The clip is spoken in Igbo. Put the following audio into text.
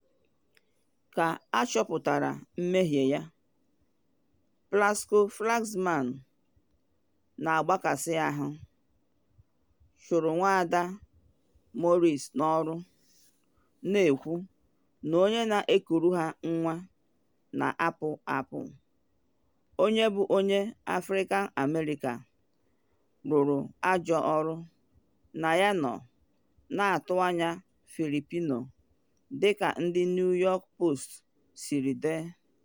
Ka ọ chọpụtachara mmehie ya, Plasco-Flaxman “na agbakasị ahụ” chụrụ Nwada Maurice n’ọrụ, na ekwu na onye na ekuru ha nwa na apụ apụ, onye bụ onye African-American, rụrụ ajọ ọrụ na ya nọ na atụ anya Filipino, dị ka ndị New York Post siri dee.